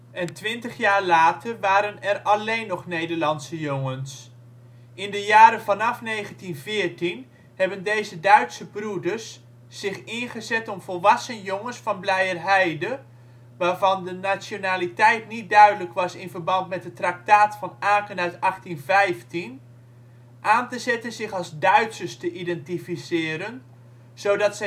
en twintig jaar later waren er alleen nog Nederlandse jongens. In de jaren vanaf 1914 hebben deze Duitse broeders zich ingezet om volwassen jongens van Bleijerheide, waarvan de nationaliteit niet duidelijk was in verband met het Traktaat van Aken (1815), aan te zetten zich als Duitsers te identificeren, zodat